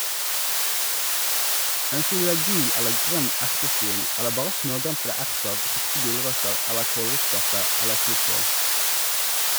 Ønsker du deg gul eller grønn ertestuing - eller bare smørdampede erter, kokte gulrøtter eller kålrotstappe eller surkål?